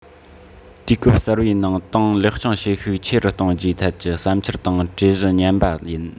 དུས སྐབས གསར པའི ནང ཏང ལེགས སྐྱོང བྱེད ཤུགས ཆེ རུ གཏོང རྒྱུའི ཐད ཀྱི བསམ འཆར དང གྲོས གཞི ཉན པ ཡིན